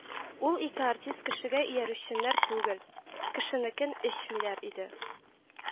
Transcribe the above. Ул ике артист кешегә иярүчәннәр түгел, кешенекен эчмиләр иде